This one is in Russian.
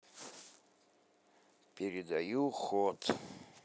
передаю ход